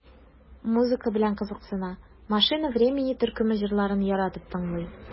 Музыка белән кызыксына, "Машина времени" төркеме җырларын яратып тыңлый.